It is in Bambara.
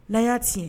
Nan ya tiɲɛ